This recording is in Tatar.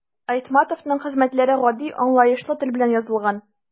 Айтматовның хезмәтләре гади, аңлаешлы тел белән язылган.